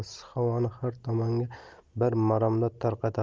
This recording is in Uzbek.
issiq havoni har tomonga bir maromda taratadi